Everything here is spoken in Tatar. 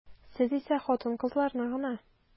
Сез исә хатын-кызларны гына.